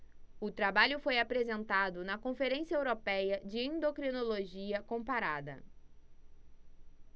o trabalho foi apresentado na conferência européia de endocrinologia comparada